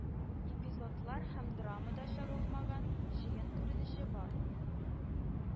Эпизодлар һәм драмада чагылмаган җыен күренеше бар;